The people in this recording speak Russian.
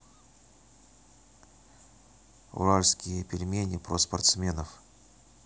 уральские пельмени про спортсменов